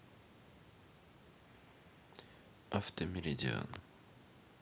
автомеридиан